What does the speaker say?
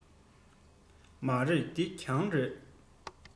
མ རེད འདི གྱང རེད